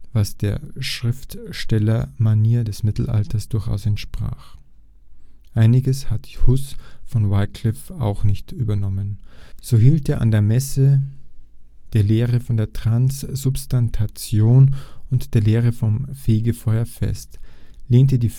was der Schriftstellermanier des Mittelalters durchaus entsprach. Einiges hat Hus von Wyclif auch nicht übernommen. So hielt er an der Messe, der Lehre von der Transsubstantiation und der Lehre vom Fegefeuer fest, lehnte die